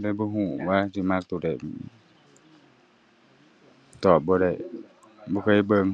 เลยบ่รู้ว่าสิมักรู้ใด ตอบบ่ได้ บ่เคยเบิ่ง